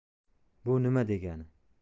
bu nima degani